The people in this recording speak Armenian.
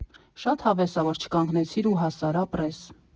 Շատ հավես ա, որ չկանգնեցիր ու հասար, ապրես։